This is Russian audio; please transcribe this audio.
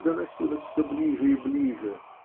-- доносилось все ближе и ближе.